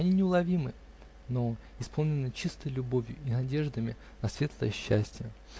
Они неуловимы, но исполнены чистой любовью и надеждами на светлое счастие.